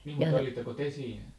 niin mutta olitteko te siinä